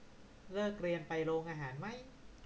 เลิกเรียนไปโรงอาหารมั้ย